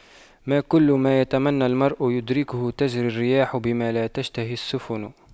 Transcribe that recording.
ما كل ما يتمنى المرء يدركه تجرى الرياح بما لا تشتهي السفن